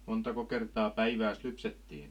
montako kertaa päivässä lypsettiin